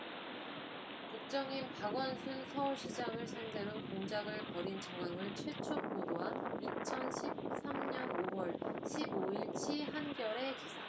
국정원이 박원순 서울시장을 상대로 공작을 벌인 정황을 최초 보도한 이천 십 삼 년 오 월 십 오 일치 한겨레 기사